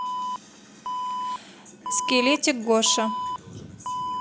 скелетик гоша